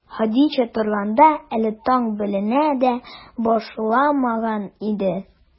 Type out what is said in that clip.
Хәдичә торганда, әле таң беленә дә башламаган иде.